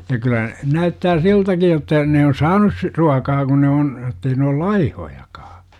ja kyllä näyttää siltäkin jotta ne on saaneet - ruokaa kun ne on että ei ne ole laihojakaan